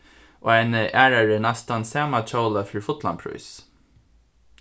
og eini aðrari næstan sama kjóla fyri fullan prís